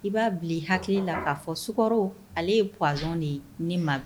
I ba bili hakili la ka fɔ Sucre ale ye poison de ye ne ma.